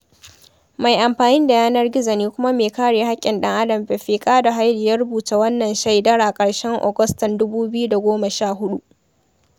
Mai amfani da yanar gizo ne kuma mai kare haƙƙin ɗan-adam Befeqadu Hailu ya rubuta wannan shaidara ƙarshen Agustan 2014.